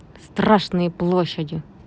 страшные площади